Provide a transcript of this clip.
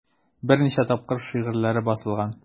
Берничә тапкыр шигырьләре басылган.